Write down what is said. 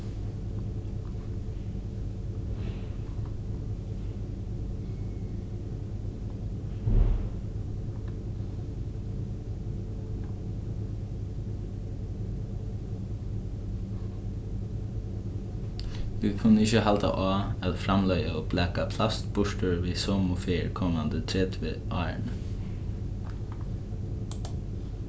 vit kunnu ikki halda á at framleiða og blaka plast burtur við somu ferð komandi tretivu árini